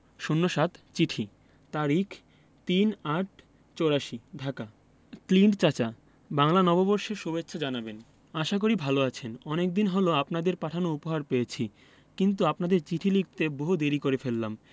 ০৭ চিঠি তারিখ ৩-৮-৮৪ ঢাকা ক্লিন্ট চাচা বাংলা নববর্ষের সুভেচ্ছা জানাবেন আশা করি ভালো আছেন অনেকদিন হল আপনাদের পাঠানো উপহার পেয়েছি কিন্তু আপনাদের চিঠি লিখতে বহু দেরী করে ফেললাম